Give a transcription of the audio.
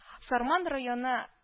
Сарман районы